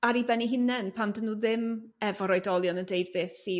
ar 'u ben 'u hunen pan dyn nhw ddim efo'r oedolion y deud beth sydd